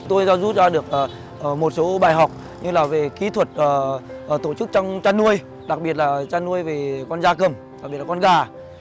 tôi đã rút ra được ờ ờ một số bài học như là về kỹ thuật ờ ờ tổ chức trong chăn nuôi đặc biệt là chăn nuôi về con gia cầm đặc biệt là con gà